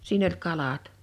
siinä oli kalat